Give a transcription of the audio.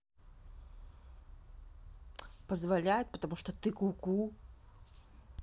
позволяет потому что ты куку